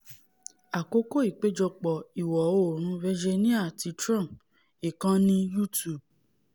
Àkókò Ìpéjọpọ̀ Ìwọ̀-oòrùn Virginia ti Trump, Ìkànnì YouTube